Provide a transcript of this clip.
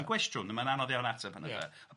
...ma'n gwestiwn a mae'n anodd iawn ateb ynde. Ia.